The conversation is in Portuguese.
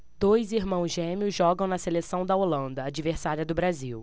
dois irmãos gêmeos jogam na seleção da holanda adversária do brasil